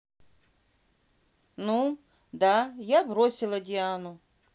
ну да я бросила диану